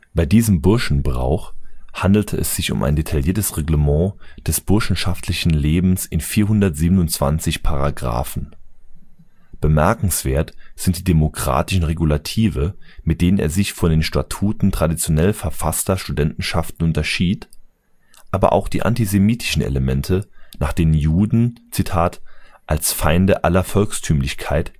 Bei diesem Burschenbrauch handelte es sich um ein detailliertes Reglement des burschenschaftlichen Lebens in 427 Paragrafen. Bemerkenswert sind die demokratischen Regulative, mit denen er sich von den Statuten traditionell verfasster Studentenschaften unterschied, aber auch die antisemitischen Elemente, nach denen Juden „ als Feinde aller Volksthümlichkeit